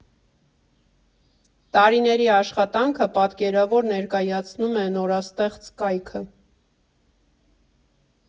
Տարիների աշխատանքը պատկերավոր ներկայացնում է նորաստեղծ կայքը։